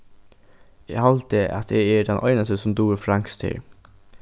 eg haldi at eg eri tann einasti sum dugir franskt her